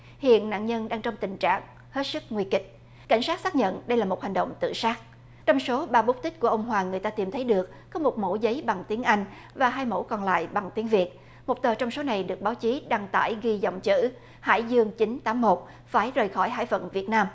hiện nạn nhân đang trong tình trạng hết sức nguy kịch cảnh sát xác nhận đây là một hành động tự sát trong số ba bút tích của ông hoàng người ta tìm thấy được có một mẩu giấy bằng tiếng anh và hai mẫu còn lại bằng tiếng việt một tờ trong số này được báo chí đăng tải ghi dòng chữ hải dương chín tám một phải rời khỏi hải phận việt nam